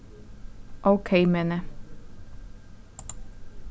ókey meðni